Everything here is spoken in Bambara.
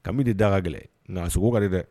Kami de da ka gɛlɛn ŋa a sogo kari dɛ